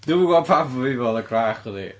Dwi'm yn gwbod pam bod fi'n meddwl na gwrach oedd hi.